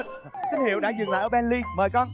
tín hiệu đã dừng lại ở ben ni mời con